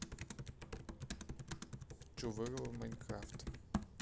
чувырла в майнкрафт